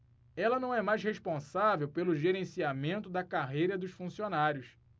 ela não é mais responsável pelo gerenciamento da carreira dos funcionários